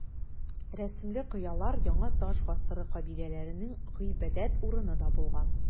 Рәсемле кыялар яңа таш гасыры кабиләләренең гыйбадәт урыны да булган.